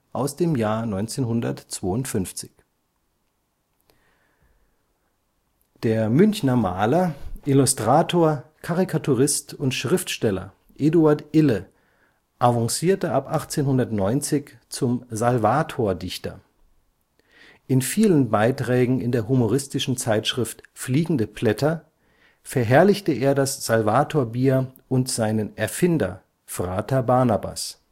aus dem Jahr 1952. Der Münchner Maler, Illustrator, Karikaturist und Schriftsteller Eduard Ille (* 1823; † 1900) avancierte ab 1890 zum „ Salvator-Dichter “. In vielen Beiträgen in der humoristischen Zeitschrift Fliegende Blätter verherrlichte er das Salvator-Bier und seinen „ Erfinder “Frater Barnabas